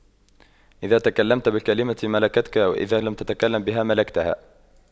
إذا تكلمت بالكلمة ملكتك وإذا لم تتكلم بها ملكتها